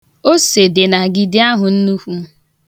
Ose dị n'agidi ahụ nnukwu.